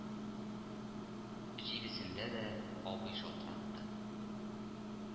Җидесендә дә абый шалтыратты